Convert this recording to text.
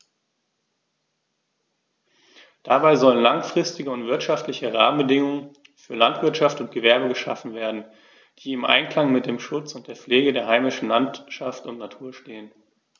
Dabei sollen langfristige und wirtschaftliche Rahmenbedingungen für Landwirtschaft und Gewerbe geschaffen werden, die im Einklang mit dem Schutz und der Pflege der heimischen Landschaft und Natur stehen.